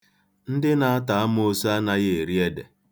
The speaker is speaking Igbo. Ndị na-ata amoosu anaghị eri ede.